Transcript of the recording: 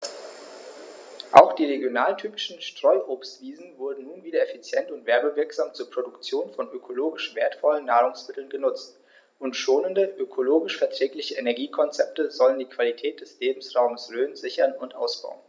Auch die regionaltypischen Streuobstwiesen werden nun wieder effizient und werbewirksam zur Produktion von ökologisch wertvollen Nahrungsmitteln genutzt, und schonende, ökologisch verträgliche Energiekonzepte sollen die Qualität des Lebensraumes Rhön sichern und ausbauen.